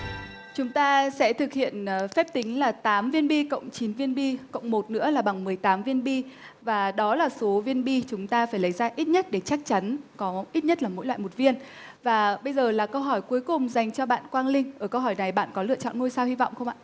chúng ta sẽ thực hiện ờ phép tính là tám viên bi cộng chín viên bi cộng một nữa là bằng mười tám viên bi và đó là số viên bi chúng ta phải lấy ra ít nhất để chắc chắn có ít nhất là mỗi loại một viên và bây giờ là câu hỏi cuối cùng dành cho bạn quang linh ở câu hỏi này bạn có lựa chọn ngôi sao hy vọng không ạ